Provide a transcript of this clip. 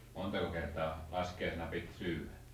montako kertaa laskiaisena piti syödä